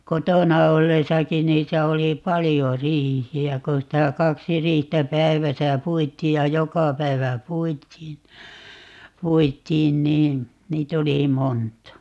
kotona ollessakin niitä oli paljon riihiä kun sitä kaksi riihtä päivässä puitiin ja joka päivä puitiin puitiin niin niitä oli monta